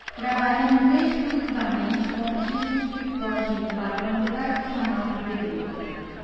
trabalhamos exclusivamente com tipos que fogem do padrão tradicional de beleza